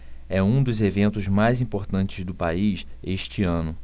é um dos eventos mais importantes do país este ano